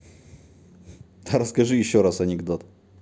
а расскажи еще раз анекдот